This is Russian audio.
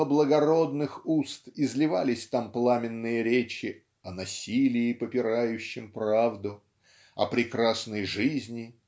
но благородных уст изливались там пламенные речи "о насилии попирающем правду о прекрасной жизни